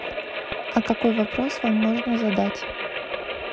а какой вопрос вам можно задать